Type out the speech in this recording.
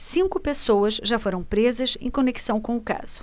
cinco pessoas já foram presas em conexão com o caso